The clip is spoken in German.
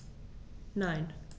Nein.